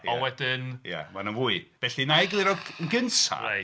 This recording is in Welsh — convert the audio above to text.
Ond wedyn... Ia mae 'na fwy. Felly, wna i egluro yn gynta'... Reit.